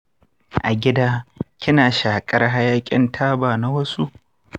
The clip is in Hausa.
a gida, kina shakar hayakin taba na wasu?